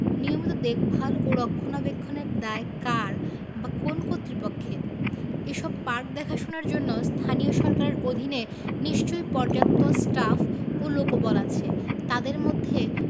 নিয়মিত দেখভাল ও রক্ষণাবেক্ষণের দায় কার বা কোন্ কর্তৃপক্ষের এসব পার্ক দেখাশোনার জন্য স্থানীয় সরকারের অধীনে নিশ্চয়ই পর্যাপ্ত স্টাফ ও লোকবল আছে তাদের মধ্যে